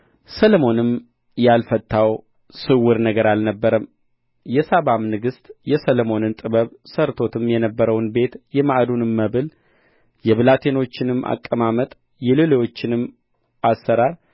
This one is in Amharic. ሰሎሞንም ያልፈታው ስውር ነገር አልነበረም የሳባም ንግሥት የሰሎሞንን ጥበብ ሠርቶትም የነበረውን ቤት የማዕዱንም መብል የብላቴኖቹንም አቀማመጥ የሎሌዎቹንም አሠራር